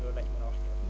loolu laa ci mën a wax